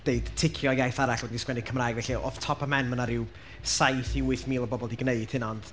deud, ticio iaith arall wedyn sgwennu Cymraeg. Felly, off top 'y mhen, ma' 'na rhyw saith i wyth mil o bobl 'di gwneud hynna. Ond...